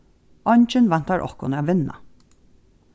eingin væntar okkum at vinna